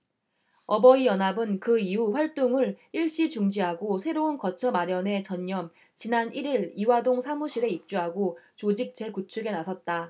어버이연합은 그 이후 활동을 일시 중지하고 새로운 거처 마련에 전념 지난 일 일 이화동 사무실에 입주하고 조직 재구축에 나섰다